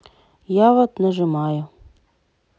я вот нажимаю